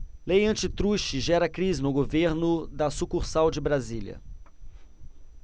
lei antitruste gera crise no governo da sucursal de brasília